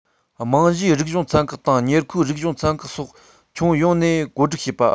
རྨང གཞིའི རིག གཞུང ཚན ཁག དང ཉེར མཁོའི རིག གཞུང ཚན ཁག སོགས ཁྱོན ཡོངས ནས བཀོད སྒྲིག བྱེད པ